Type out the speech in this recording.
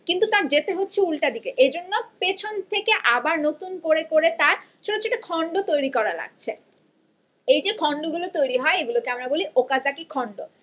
কিন্তু তার যেতে হচ্ছে উলটা দিকে এজন্য পেছন থেকে আবার নতুন করে করে ছোট ছোট খন্ড করা লাগছে এইযে খন্ড গুলা তৈরি হয় এগুলোকে আমরা বলি ওকাজাকি খন্ড